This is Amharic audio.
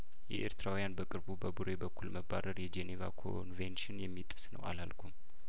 የኤርትራውያን በቅርቡ በቡሬ በኩል መባረር የጄኔቫ ኮንቬንሽን የሚጥስ ነው አላልኩም